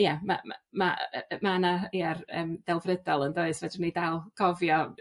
ie ma' ma' ma' yy ma' 'na ie'r yym delfrydol yndoes fedrwn ni dal cofio